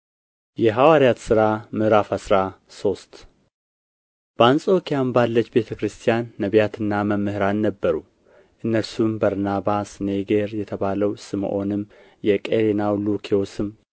የሐዋርያት ሥራ ምዕራፍ አስራ ሶስት በአንጾኪያም ባለችው ቤተ ክርስቲያን ነቢያትና መምህራን ነበሩ እነርሱም በርናባስ ኔጌር የተባለው ስምዖንም የቀሬናው ሉክዮስም